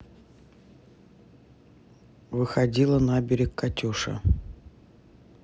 выходила на берег катюша